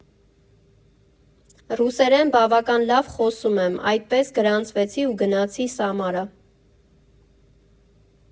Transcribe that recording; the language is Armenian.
Ռուսերեն բավական լավ խոսում եմ, այդպես գրանցվեցի ու գնացի Սամարա։